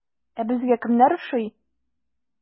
Ә безгә кемнәр ошый?